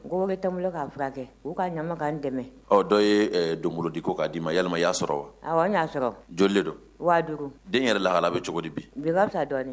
Ko bɛ ta k'a furakɛ kɛ u kaa ɲakan dɛmɛ dɔw ye dongolo di ko k'a dii ma yɛlɛma y'a sɔrɔ wa wa y'a sɔrɔ jolilen don wagadu den yɛrɛ laha bɛ cogo di bi bi bɛ fisa dɔɔnin